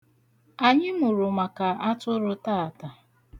Anyị mụrụ maka atụrụ taata.